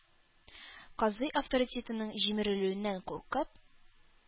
Казый, авторитетының җимерелүеннән куркып,